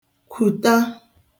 kwùta